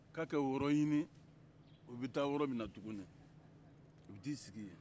k'a ka o yɔrɔ ɲini u taayɔrɔ min na tuguni u bɛ t'i sigi yen